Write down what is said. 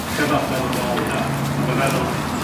Rhyfadd meddwl nôl i hyna, ond mae'n meddwl